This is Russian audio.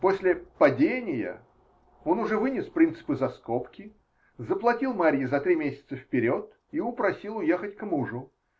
После "падения" он уже вынес принципы за скобки, заплатил Марье за три месяца вперед и упросил уехать к мужу.